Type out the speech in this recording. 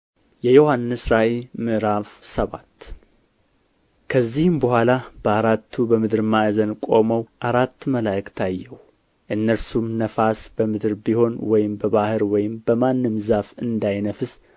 የዮሐንስ ራእይ ምዕራፍ ሰባት ከዚህም በኋላ በአራቱ በምድር ማዕዘን ቆመው አራት መላእክት አየሁ እነርሱም ነፋስ በምድር ቢሆን ወይም በባሕር ወይም በማንም ዛፍ እንዳይነፍስ